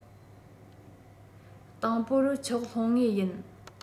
དང པོ རུ ཆོགས ལྷུང ངེས ཡིན